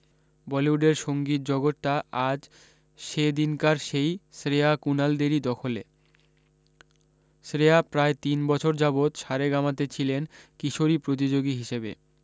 বলিউডের সঙ্গীত জগতটা আজ সে দিনকার সেই শ্রেয়া কূণালদেরি দখলে শ্রেয়া প্রায় তিন বছর যাবত সারেগামাতে ছিলেন কিশোরী প্রতি্যোগী হিসেবে